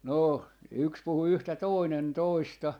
no yksi puhui yhtä toinen toista